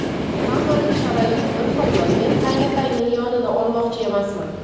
hammaning sharoiti bir xilmi men qaynotangning yonini olmoqchi emasman